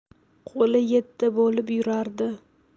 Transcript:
qo'li yetti bo'lib yuradi